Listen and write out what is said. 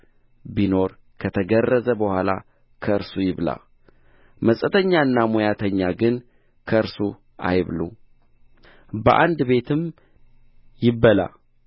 ቢኖር ከተገረዘ በኋላ ከእርሱ ይብላ መጻተኛና ሞያተኛ ግን ከእርሱ አይብሉ በአንድ ቤትም ይበላ